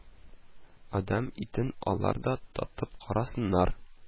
Адәм итен алар да татып карасыннар